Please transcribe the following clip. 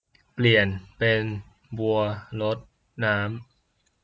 เปลี่ยนเป็นบัวรดน้ำ